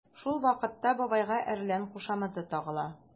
Шул вакытта бабайга “әрлән” кушаматы тагыла.